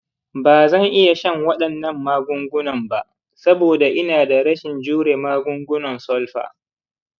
ba zan iya shan waɗannan magungunan ba saboda ina da rashin jure magungunan sulfa.